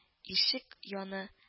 – ишек яны